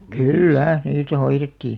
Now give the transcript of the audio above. kyllä niitä hoidettiin